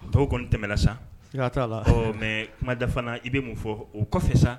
Dɔw kɔni tɛmɛna sa, siga t'a la, ɔ mais kuma dafa la i bɛ mun fɔ o kɔfɛ sa